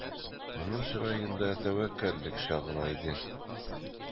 Аның чыраенда тәвәккәллек чагыла иде.